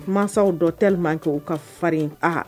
Mansaw dɔtɛli man cɛw ka farin a